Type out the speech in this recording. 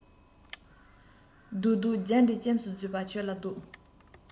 བཟློག བཟློག རྒྱ འདྲེ སྐྱེམས སུ བརྫུས པ ཁྱོད ལ བཟློག